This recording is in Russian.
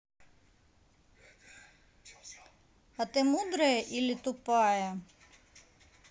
а ты мудрая или тупая